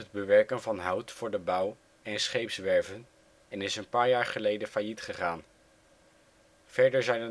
bewerken van hout voor de bouw en scheepswerven en is een paar jaar geleden failliet gegaan. Verder zijn